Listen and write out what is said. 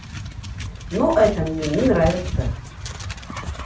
ну это мне не нравится